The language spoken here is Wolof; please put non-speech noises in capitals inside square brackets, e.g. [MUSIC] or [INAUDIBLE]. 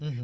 [HESITATION] [HESITATION]